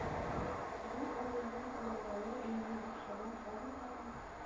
Зур авылның каравыл өенә охшаган фабриканың